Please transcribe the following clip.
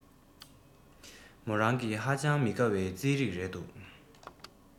མོ རང གི ཧ ཅང མི དགའ བའི རྩིས རིགས རེད འདུག